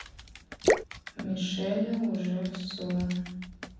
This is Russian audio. мишеля уже все